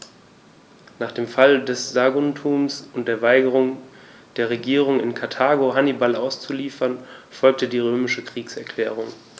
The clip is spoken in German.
Nach dem Fall Saguntums und der Weigerung der Regierung in Karthago, Hannibal auszuliefern, folgte die römische Kriegserklärung.